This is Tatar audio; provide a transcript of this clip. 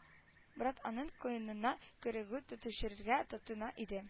Брат аның куенына керүгә төтөчерергә тотына иде